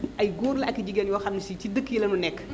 ay góor la ak i jigéen yoo xam ne si ci dëkk yi la ñu nekk